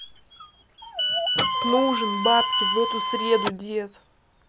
нужен бабки в эту среду дед